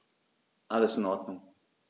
Alles in Ordnung.